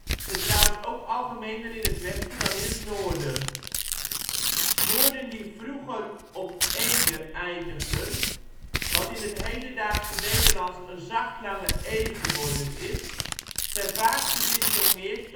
trouwens ook algemener in het westen dan in het noorden). Woorden die vroeger op – ede eindigden, wat in het hedendaags Nederlands een zachtlange ee geworden is, zijn vaak gediftongeerd